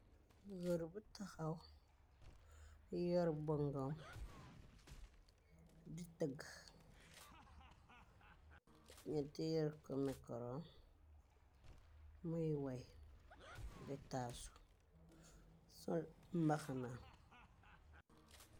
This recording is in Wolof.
Goor bu taxaw yor bongom di tëgg, nyu tiyel ko mikoro, muy way di taasu, sol mbaxana.